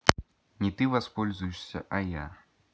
не ты воспользуешься а я